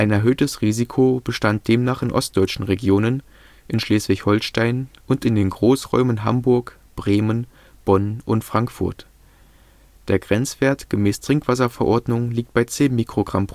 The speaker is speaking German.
erhöhtes Risiko bestand demnach in ostdeutschen Regionen, in Schleswig-Holstein und in den Großräumen Hamburg, Bremen, Bonn und Frankfurt. Der Grenzwert gemäß TrinkwV liegt bei 10 µg/l